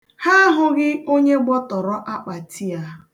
Ha ahụghị onye gbọtọrọ akpati a.